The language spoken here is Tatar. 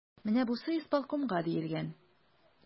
Менә бусы исполкомга диелгән.